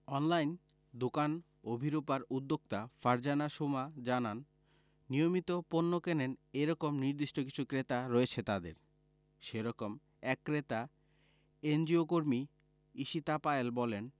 online দোকান অভিরুপার উদ্যোক্তা ফারজানা সোমা জানান নিয়মিত পণ্য কেনেন এ রকম নির্দিষ্ট কিছু ক্রেতা রয়েছে তাঁদের সে রকম এক ক্রেতা এনজিওকর্মী ঈশিতা পায়েল বলেন